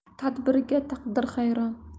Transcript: tadbirga taqdir hayron